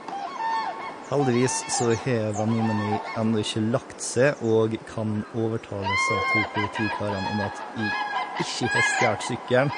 Heldigvis så har venninna mi enda ikke lagt seg, og kan overtale disse to politikarene om at jeg ikke har stjælt sykkelen.